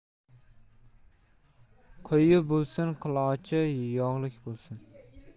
qui bo'lsin qulochi yog'lik bo'lsin